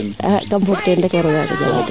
a kam fog teen de so jala teen